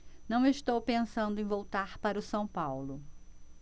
não estou pensando em voltar para o são paulo